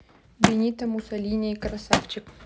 бенито муссолини красавчик